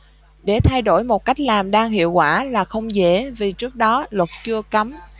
để thay đổi một cách làm đang hiệu quả là không dễ vì trước đó luật chưa cấm